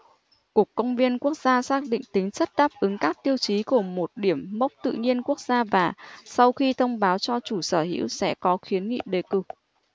cục công viên quốc gia xác định tính chất đáp ứng các tiêu chí của một điểm mốc tự nhiên quốc gia và sau khi thông báo cho chủ sở hữu sẽ có khuyến nghị đề cử